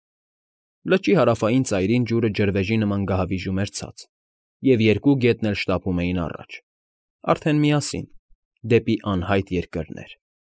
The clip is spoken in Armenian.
Լճի հարավային ծայրին ջուրը ջրվեժի նման գահավիժում էր ցած, և երկու գետն էլ շտապում էին առաջ, արդեն միասին, դեպի անհայտ երկրներ։